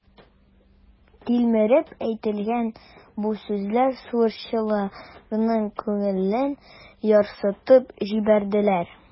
Тилмереп әйтелгән бу сүзләр сугышчыларның күңелен ярсытып җибәрделәр.